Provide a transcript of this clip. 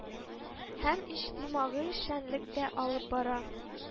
Һәм иҗтимагый эшчәнлек тә алып бара